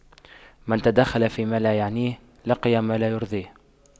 من تدخل فيما لا يعنيه لقي ما لا يرضيه